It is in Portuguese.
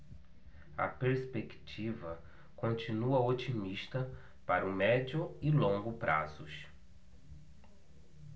a perspectiva continua otimista para o médio e longo prazos